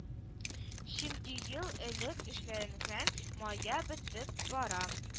Чөнки ел элек эшләнгән мая бетеп бара